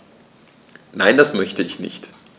Nein, das möchte ich nicht.